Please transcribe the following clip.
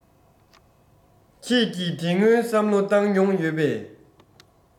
ཁྱེད ཀྱིད དེ སྔོན བསམ བློ བཏང མྱོང ཡོད པས